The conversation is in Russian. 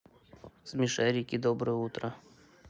смешарики доброе утро